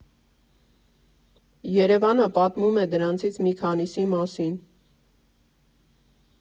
ԵՐԵՎԱՆը պատմում է դրանցից մի քանիսի մասին։